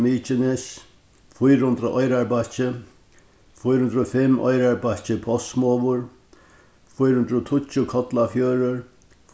mykines fýra hundrað oyrarbakki fýra hundrað og fimm oyrarbakki postsmogur fýra hundrað og tíggju kollafjørður